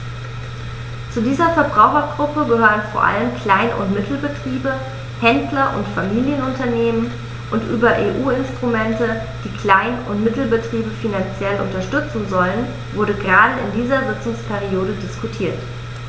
Zu dieser Verbrauchergruppe gehören vor allem Klein- und Mittelbetriebe, Händler und Familienunternehmen, und über EU-Instrumente, die Klein- und Mittelbetriebe finanziell unterstützen sollen, wurde gerade in dieser Sitzungsperiode diskutiert.